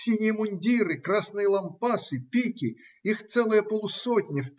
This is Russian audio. Синие мундиры, красные лампасы, пики. Их целая полусотня.